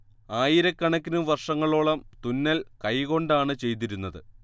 ആയിരക്കണക്കിന് വർഷങ്ങളോളം തുന്നൽ കൈകൊണ്ടാണ് ചെയ്തിരുന്നത്